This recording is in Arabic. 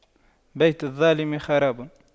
بيت الظالم خراب